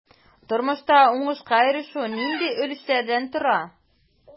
Тормышта уңышка ирешү нинди өлешләрдән тора?